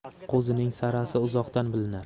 qo'zining sarasi uzoqdan bilinar